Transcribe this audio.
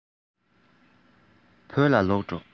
བོད ལ ལོག འགྲོ